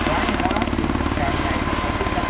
thoái hóa thì nó lại càng ngày nó có sinh ra